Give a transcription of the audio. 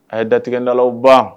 A' ye datigɛndalaw ban